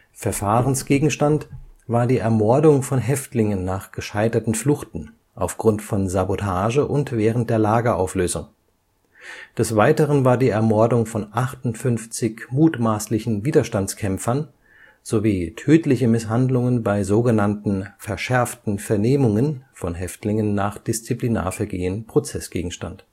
Verfahrensgegenstand war die Ermordung von Häftlingen nach gescheiterten Fluchten, aufgrund von Sabotage und während der Lagerauflösung. Des Weiteren war die Ermordung von 58 mutmaßlichen Widerstandskämpfern sowie tödliche Misshandlungen bei „ verschärften Vernehmungen “von Häftlingen nach Disziplinarvergehen Prozessgegenstand